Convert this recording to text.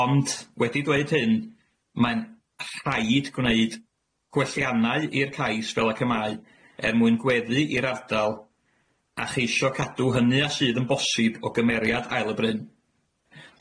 Ond, wedi dweud hyn, mae'n rhaid gwneud, gwelliannau i'r cais fel ac y mae, er mwyn gweddu i'r ardal, a cheisio cadw hynny a sydd yn bosib o gymeriad Ael y Bryn.